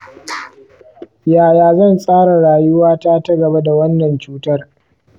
yaya zan tsara rayuwata ta gaba da wannan cutar?